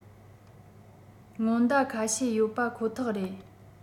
སྔོན བརྡ ཁ ཤས ཡོད པ ཁོ ཐག རེད